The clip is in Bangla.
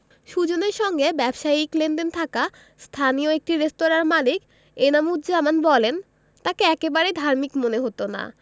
সুজনের সঙ্গে ব্যবসায়িক লেনদেন থাকা স্থানীয় একটি রেস্তোরাঁর মালিক এনাম উজজামান বলেন তাঁকে একেবারেই ধার্মিক মনে হতো না